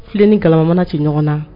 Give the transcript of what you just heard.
Filen ni kalamamana ci ɲɔgɔn na